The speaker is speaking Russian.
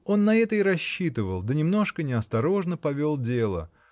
он на это и рассчитывал, да немножко неосторожно повел дело